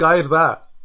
Gair dda.